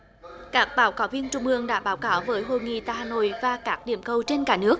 các báo cáo viên trung ương đã báo cáo với hội nghị tại hà nội và các điểm cầu trên cả nước